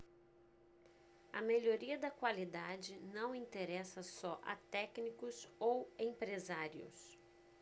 a melhoria da qualidade não interessa só a técnicos ou empresários